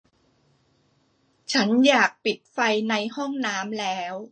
ฉันอยากปิดไฟในห้องน้ำแล้ว